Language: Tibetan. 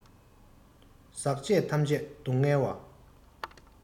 ཟག བཅས ཐམས ཅད སྡུག བསྔལ བ